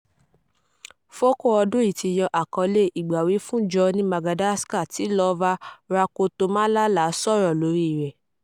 Foko ọdún yìí ti yan àkọ́lé "Ìgbàwífúnjọ ní Madagascar" tí Lova Rakotomalala sọ̀rọ̀ lórí rẹ̀.